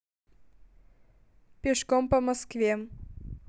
пешком по москве